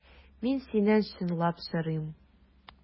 Мин синнән чынлап сорыйм.